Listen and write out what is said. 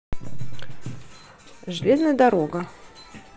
железная дорога